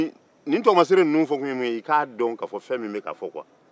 ni tɔgɔmasee ninnu fokun ye i k'a don fɛn min beka fɔ kuwa